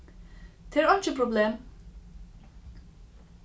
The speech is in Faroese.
tað er einki problem